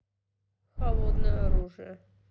холодное оружие